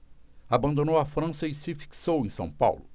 abandonou a frança e se fixou em são paulo